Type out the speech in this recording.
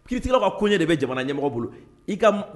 Kiriti ka ko ɲɛ de bɛ jamana ɲɛmɔgɔ bolo